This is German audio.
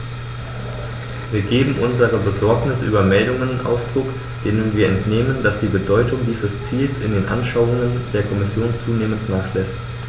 Wir geben unserer Besorgnis über Meldungen Ausdruck, denen wir entnehmen, dass die Bedeutung dieses Ziels in den Anschauungen der Kommission zunehmend nachlässt.